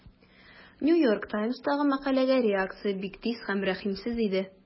New York Times'тагы мәкаләгә реакция бик тиз һәм рәхимсез иде.